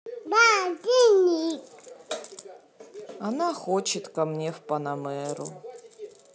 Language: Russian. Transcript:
она хочет ко мне в панамеру